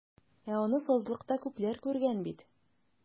Ә аны сазлыкта күпләр күргән бит.